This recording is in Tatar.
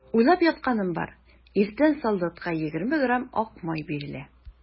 Уйлап ятканым бар: иртән солдатка егерме грамм ак май бирелә.